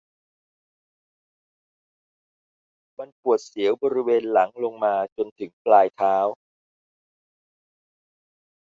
มันปวดเสียวบริเวณหลังลงมาจนถึงปลายเท้า